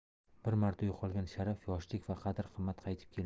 bir marta yo'qolgan sharaf yoshlik va qadr qimmat qaytib kelmaydi